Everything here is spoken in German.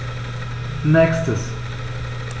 Nächstes.